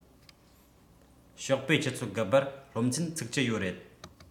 ཞོགས པའི ཆུ ཚོད དགུ པར སློབ ཚན ཚུགས ཀྱི ཡོད རེད